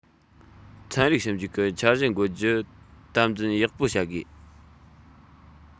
ཚན རིག ཞིབ འཇུག གི འཆར གཞི འགོད རྒྱུ དམ འཛིན ཡག པོ བྱ དགོས